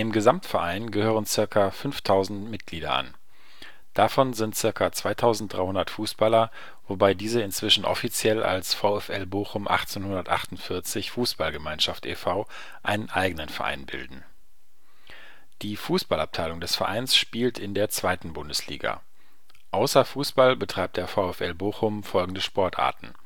Gesamtverein gehören ca. 5000 Mitglieder an. Davon sind ca. 2300 Fußballer, wobei diese inzwischen offiziell als VfL Bochum 1848 Fußballgemeinschaft e.V. einen eigenen Verein bilden. Die Fußball-Abteilung des Vereins spielt in der 2. Bundesliga. Außer Fußball betreibt der VfL Bochum folgende Sportarten